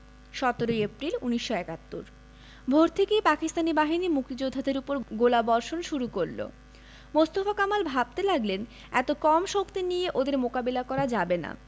১৭ April ১৯৭১ ভোর থেকেই পাকিস্তানি বাহিনী মুক্তিযোদ্ধাদের উপর গোলাবর্ষণ শুরু করল মোস্তফা কামাল ভাবতে লাগলেন এত কম শক্তি নিয়ে ওদের মোকাবিলা করা যাবে না